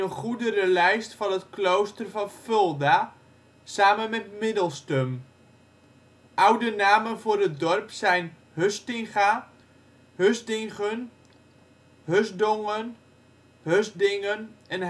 goederenlijst van het klooster van Fulda, samen met Middelstum. Oude namen voor het dorp zijn ' Hustinga ',' Husdingun ',' Husdongen ',' Husdingen ' en